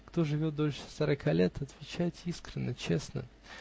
Кто живет дольше сорока лет, - отвечайте искренно, честно?